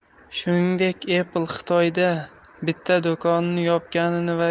shuningdek apple xitoyda bitta do'konini yopganligini va